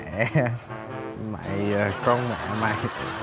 mẹ mày con mẹ mày